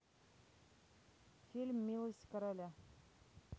фильм милость короля